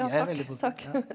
jeg er veldig positiv ja.